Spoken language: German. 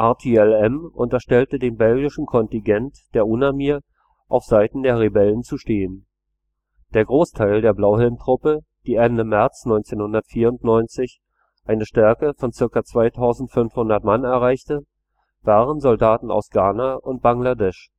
RTLM unterstellte dem belgischen Kontingent der UNAMIR, auf Seiten der Rebellen zu stehen. Der Großteil der Blauhelmtruppe, die Ende März 1994 eine Stärke von zirka 2500 Mann erreichte, waren Soldaten aus Ghana und Bangladesch